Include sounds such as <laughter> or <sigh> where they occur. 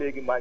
<hesitation> <hesitation>